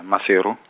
-a Maseru.